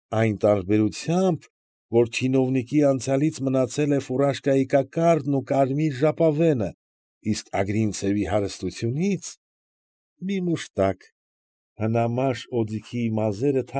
Այն տարբերությամբ, որ չինովնիկի անցյալից մնացել է «ֆուրաշկայի» կոկարդն ու կարմիր ժապավենը, իսկ Ագրինցևի ֊հարստությունից՝ մի մուշտակ, հնամաշ, օձիքի մազերը։